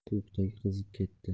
ko'kdagi qizib ketdi